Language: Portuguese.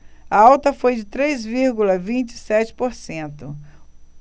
a alta foi de três vírgula vinte e sete por cento